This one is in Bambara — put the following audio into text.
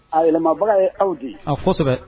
A yɛlɛmabaga ye aw de ye., aa, kosɛbɛ.